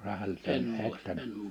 sehän että